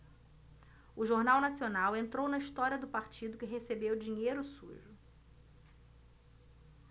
o jornal nacional entrou na história do partido que recebeu dinheiro sujo